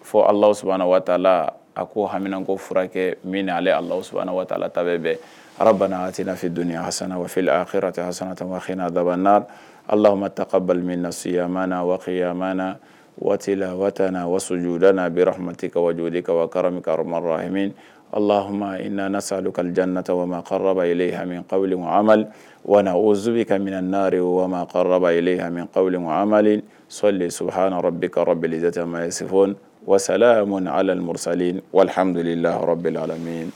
Fɔ alasa waala a ko hamina ko furakɛkɛ min na ale alasu waatila ta bɛɛ ha a te ninaafi don hasa tanmaina daba alama ta ka balima nasi waati la waati na wasojjuda n'a bɛmati kaj ka minma alaha i na sa kajan natama hami w o zbi ka minɛ'are hami sɔ de saba ha bɛbfɔ wasala alalmo sa wali hamdu la alami